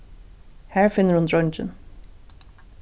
har finnur hon dreingin